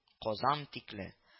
– казан тикле